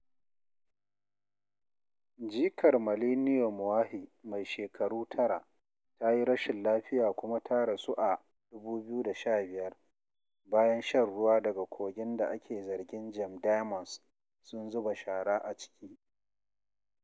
Jikar Malineo Moahi mai shekaru tara ta yi rashin lafiya kuma ta rasu a 2015 bayan shan ruwa daga kogin da ake zargin Gem Diamonds sun zuba shara a ciki.